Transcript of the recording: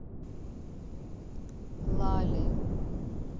лали